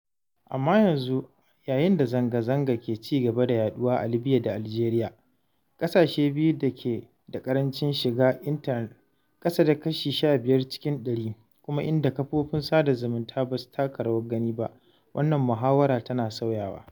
Amma yanzu, yayin da zanga-zanga ke cigaba da yaɗuwa a Libya da Algeria – ƙasashe biyu da ke da ƙarancin shiga intanet ƙasa da kashi 15 cikin 100 kuma inda kafofin sada zumunta ba su taka rawar gani ba – wannan muhawarar tana sauyawa.